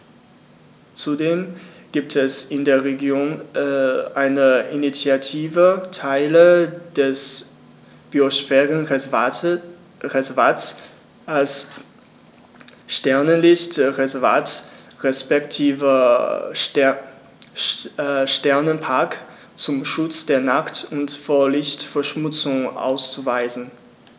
Zudem gibt es in der Region eine Initiative, Teile des Biosphärenreservats als Sternenlicht-Reservat respektive Sternenpark zum Schutz der Nacht und vor Lichtverschmutzung auszuweisen.